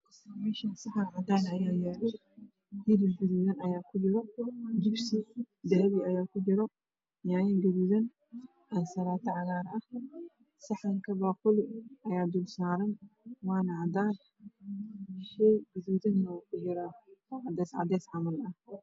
Meshan saxan cadan ayaa yala hilib gaduudan ayaa ku jira jibsi dahabiya ayaa ku jira iyo yanyo gaduudan ansalato cagar ah saxanka baquli ayaa dul saran wana cadan shey gaduudana wuu ku jiraa cadewa cadees camal ah